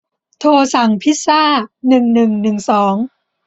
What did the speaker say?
โทรสั่งพิซซ่าหนึ่งหนึ่งหนึ่งสอง